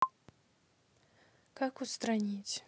как устранить